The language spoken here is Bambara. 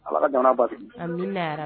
Ala ka jamanaana basi